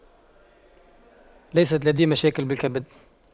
ليست لدي مشاكل بالكبد